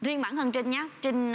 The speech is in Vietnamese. riêng bản thân trinh nhá trinh